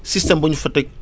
système bu ñu fa teg